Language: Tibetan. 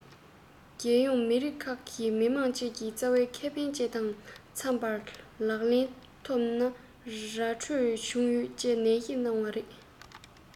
བོད ཀྱི གནས ཚུལ